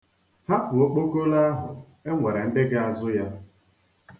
Hapụ okpokolo ahụ, e nwere ndị ga-azụ ya.